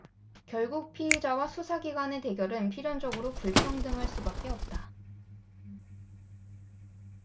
결국 피의자와 수사기관의 대결은 필연적으로 불평등할 수밖에 없다